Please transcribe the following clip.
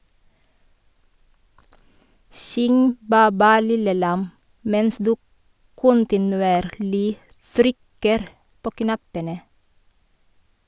Syng "Bæ bæ lille lam" mens du kontinuerlig trykker på knappene.